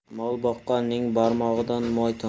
mol boqqanning barmog'idan moy tomar